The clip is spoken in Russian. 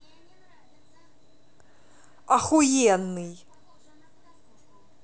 охуенный